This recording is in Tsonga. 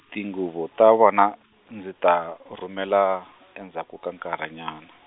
tinguvu ta vana, ndzi ta, rhumela, endzhaku ka nkarhinyana.